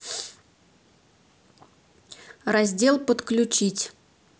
раздел подключить